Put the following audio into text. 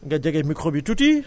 nga jege micro bi tuuti